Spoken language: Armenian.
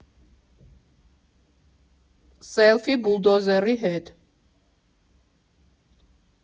ՍԵԼՖԻ ԲՈՒԼԴՈԶԵՐԻ ՀԵՏ։